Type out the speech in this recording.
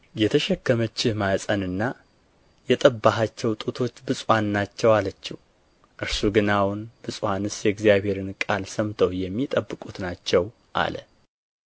የተሸከመችህ ማኅፀንና የጠባሃቸው ጡቶች ብፁዓን ናቸው አለችው እርሱ ግን አዎን ብፁዓንስ የእግዚአብሔርን ቃል ሰምተው የሚጠብቁት ናቸው አለ